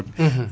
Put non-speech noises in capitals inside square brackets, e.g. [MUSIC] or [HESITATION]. [HESITATION] [HESITATION]